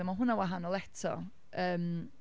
a ma' hwnna'n wahanol eto, yym.